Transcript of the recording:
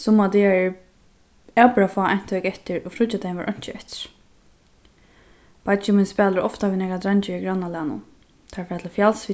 summar dagar eru avbera fá eintøk eftir og fríggjadagin var einki eftir beiggi mín spælir ofta við nakrar dreingir í grannalagnum teir fara til fjals við